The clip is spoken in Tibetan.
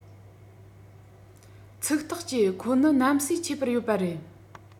ཚིག ཐག བཅད ཁོ ནི གནམ སའི ཁྱད པར ཡོད པ རེད